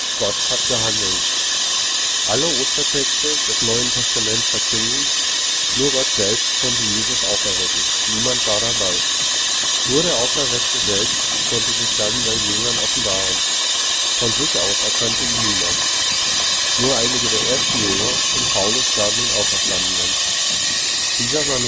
Gott hat gehandelt Alle Ostertexte des NT verkünden: Nur Gott selbst konnte Jesus auferwecken. Niemand war dabei. Nur der Auferweckte selbst konnte sich dann seinen Jüngern offenbaren. Von sich aus erkannte ihn niemand. Nur einige der ersten Jünger und Paulus sahen den Auferstandenen. Dieser